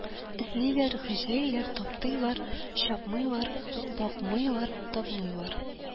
Эзлиләр, гөжлиләр, таптыйлар, чапмыйлар, бакмыйлар, тапмыйлар